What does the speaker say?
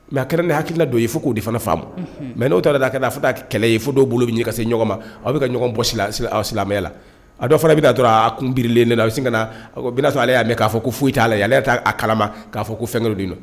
Mɛ a kɛrarɛn ni hakilikiina don ye fo k'o de fana fa mɛ n' taara la a ka'a' kɛlɛ ye fo dɔw bolo bɛ ɲɛ ka se ɲɔgɔn ma aw bɛ ka ɲɔgɔn aw silamɛ la a dɔw fana bɛna kun biri sin ka aleale'a mɛn k'a fɔ ko foyi t'a la ale'a kala k'a fɔ ko fɛn don